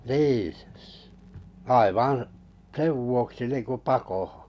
niin aivan sen vuoksi niin kuin pakoon